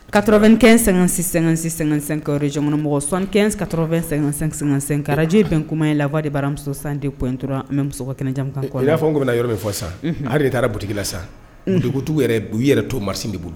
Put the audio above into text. Ka2- kɛnɛn--sɛ--sɛ-sɛka jamanammɔgɔ sɔnɛnka2-sɛ-sɛnkarajɛe bɛn kuma in la' de baramuso san dep in dɔrɔn n bɛ muso kɛnɛja kan ale y'a fɔ bɛna na yɔrɔ bɛ fɔ sa hali de taara buti la sa dugutu yɛrɛ b uu yɛrɛ to marisi de bolo